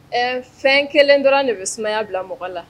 Ɛ fɛn kelen dɔrɔn de bɛ sumaya bila mɔgɔ la.